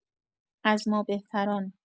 از ما بهتران